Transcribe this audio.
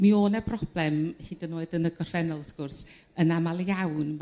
Mi o' 'na broblem hyd yn oed yn y gorffennol wrth gwrs yn amal iawn